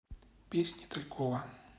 песни талькова